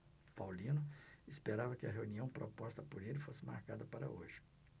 paulino esperava que a reunião proposta por ele fosse marcada para hoje